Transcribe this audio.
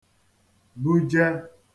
-bùje